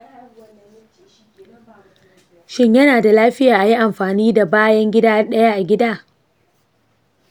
shin yana da lafiya a yi amfani da bayan gida ɗaya a gida?